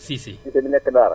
waaw Cissé